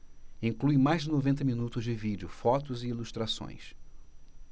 inclui mais de noventa minutos de vídeo fotos e ilustrações